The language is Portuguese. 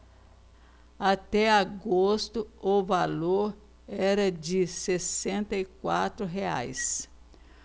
até agosto o valor era de sessenta e quatro reais